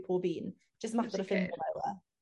pob un jyst mater o ffindo fe yw e.